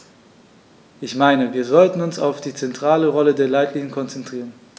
Ich meine, wir sollten uns auf die zentrale Rolle der Leitlinien konzentrieren.